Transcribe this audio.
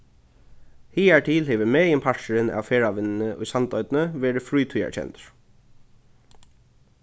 higartil hevur meginparturin av ferðavinnuni í sandoynni verið frítíðarkendur